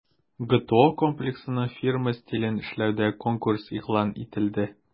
ГТО Комплексының фирма стилен эшләүгә конкурс игълан ителде.